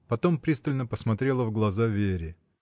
Потом пристально посмотрела в глаза Вере.